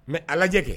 Mɛ a kɛ